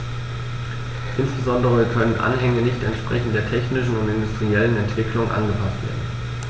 Insbesondere können Anhänge nicht entsprechend der technischen und industriellen Entwicklung angepaßt werden.